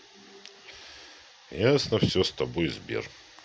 ясно все с тобой сбер